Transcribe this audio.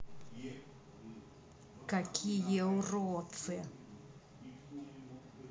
какие уродцы